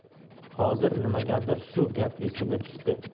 xozir nimagadir shu gap esiga tushdi